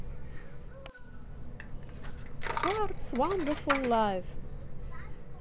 hurts wonderful life